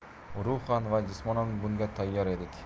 ruhan va jismonan bunga tayyor edik